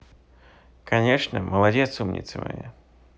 конечно молодец умница моя